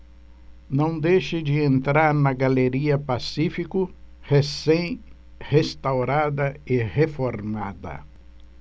não deixe de entrar na galeria pacífico recém restaurada e reformada